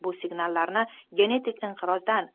bu signallarni genetik inqirozdan